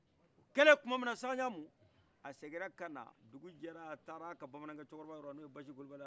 o kɛle tun ma min na sakaɲamu a segira ka kana dugujɛra a taara ka bamanankɛ cɔkɔrɔba yɔrɔla n' oye basi kulubali